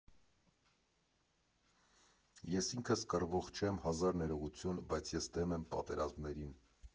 Ես ինքս կռվող չեմ, հազար ներողություն, բայց ես դեմ եմ պատերազմներին։